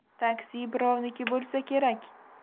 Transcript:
taksi birovniki bo'lsa kerak